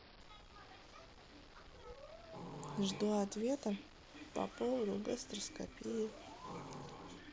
жду ответа по поводу гастроскопии